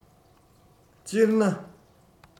སྤྱིར ན